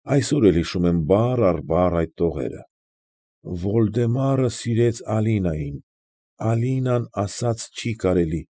Այսօր էլ հիշում եմ բառ առ բառ այդ տողերը. «Վոլդեմարը սիրեց Ալինային, Ալինան ասաց չի կարելի։